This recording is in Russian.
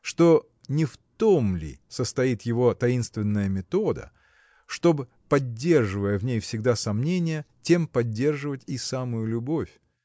что не в том ли состоит его таинственная метода чтоб поддерживая в ней всегда сомнение тем поддерживать и самую любовь.